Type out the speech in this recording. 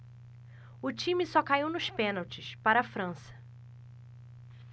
o time só caiu nos pênaltis para a frança